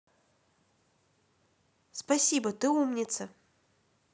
спасибо ты умница